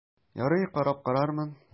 Ярый, карап карармын...